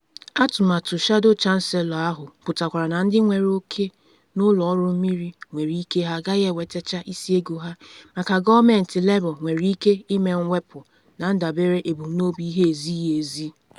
Atụmatụ shadow chancellor ahụ pụtakwara na ndị nwere oke n’ụlọ ọrụ mmiri nwere ike ha agaghị enwetacha isi ego ha, maka gọọmentị Labour nwere ike ‘ime mwepu’ na ndabere ebumnobi ihe ezighi ezi.